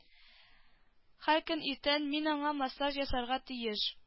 Һәркөн иртән мин аңа массаж ясарга тиеш